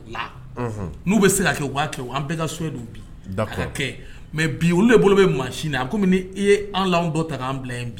La n'u bɛ se ka kɛ waa kɛ an bɛ ka soyidu bi ka kɛ mɛ bi olu de bolo bɛ maasin na a kɔmi ni e ye an la dɔ ta k'an bila bi